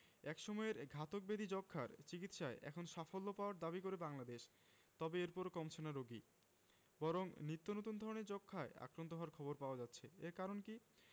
একসময়ের ঘাতক ব্যাধি যক্ষ্মার চিকিৎসায় এখন সাফল্য পাওয়ার দাবি করে বাংলাদেশ তবে এরপরও কমছে না রোগী বরং নিত্যনতুন ধরনের যক্ষ্মায় আক্রান্ত হওয়ার খবর পাওয়া যাচ্ছে এর কারণ কী